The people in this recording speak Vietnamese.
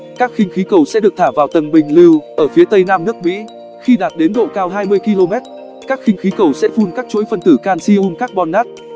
các khinh khí cầu sẽ được thả vào tầng bình lưu ở phía tây nam nước mỹ khi đạt đến độ cao km các khinh khí cầu sẽ phun các chuỗi phân tử calcium carbonate